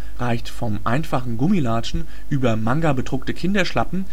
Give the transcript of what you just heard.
Gummilatschen über Manga-bedruckte Kinderschlappen